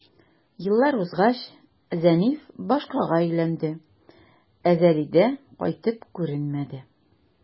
Еллар узгач, Зәниф башкага өйләнде, ә Зәлидә кайтып күренмәде.